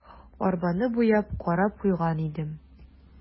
Арбаны буяп, карап куйган идем.